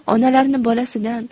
onalarni bolasidan